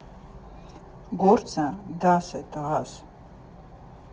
Գործը, դասը, տղաս…